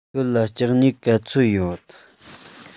ཁྱོད ལ ལྕགས སྨྱུག ག ཚོད ཡོད